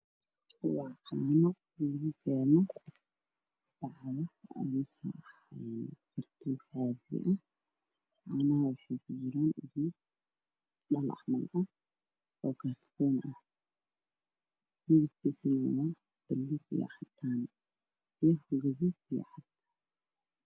Waa gacmo lugu keeno bacda gacmaha waxay kujiraan meel dhalo ah oo kartoon camal ah.